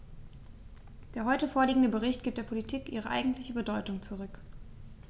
Der heute vorliegende Bericht gibt der Politik ihre eigentliche Bedeutung zurück.